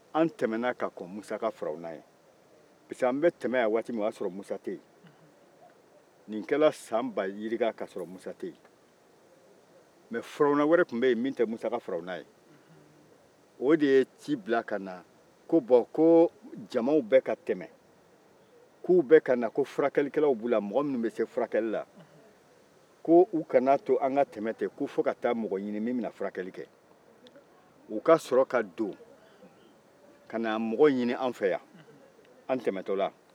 an tɛmɛna ka kɔn musa ka firawuna ɲɛ bawo an bɛ tɛmɛ yan waati min na o y'a sɔrɔ musa tɛ yen nin kɛra san ba yirika o y'a sɔrɔ tɛ yen nka firawuna wɛrɛ tun bɛ yen min tɛ musa ka firawuna ye o de ye ci bila ka na ko jamaw bɛka tɛmɛ k'u bɛka na ko furakɛlikɛlaw b'u la mɔgɔ minnu bɛ se furakɛli la k'u kan'a to an ka tɛmɛ ten fɔ u ka taa mɔgɔ ɲini mɔgɔ min bɛ se furakɛli la u ka sɔrɔ ka don ka na mɔgɔ ɲini an fɛ yan an tɛmɛtɔ la